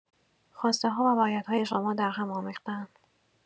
خواسته‌ها و بایدهای شما درهم آمیخته‌اند.